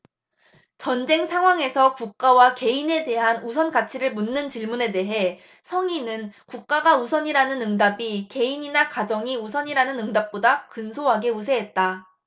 전쟁 상황에서 국가와 개인에 대한 우선가치를 묻는 질문에 대해 성인은 국가가 우선이라는 응답이 개인이나 가정이 우선이라는 응답보다 근소하게 우세했다